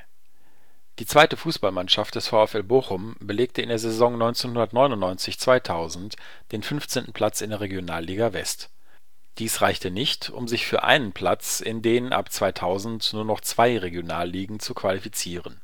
Die zweite Fußballmannschaft des VfL Bochum belegte in der Saison 1999 / 2000 den 15. Platz in der Regionalliga West. Dies reichte nicht, um sich für einen Platz in den ab 2000 nur noch zwei Regionalligen zu qualifizieren